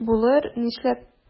Булыр, нишләп?